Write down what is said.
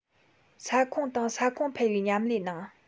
ས ཁོངས དང ས ཁོངས ཕལ པའི མཉམ ལས ནང